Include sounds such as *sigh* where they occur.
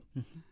*hesitation* *hesitation*